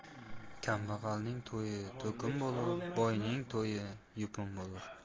kambag'alning to'yi to'kin bo'lar boyning to'yi yupun bo'lar